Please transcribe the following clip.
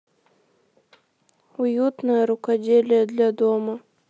уютное рукоделие для дома